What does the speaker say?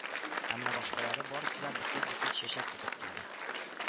Ә менә башкалары барысы да букет-букет чәчәк тотып килде